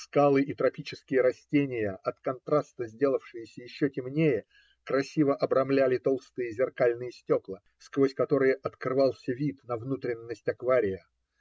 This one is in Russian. Скалы и тропические растения, от контраста сделавшиеся еще темнее, красиво обрамляли толстые зеркальные стекла, сквозь которые открывался вид на внутренность аквария.